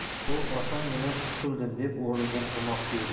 u osongina qutuldim deb o'rnidan turmoqchi edi